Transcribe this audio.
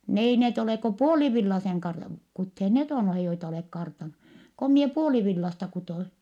ne ei ne ole kuin puolivillaisen - kuteet ne on joita olet kartannut kun minä puolivillaista kudoin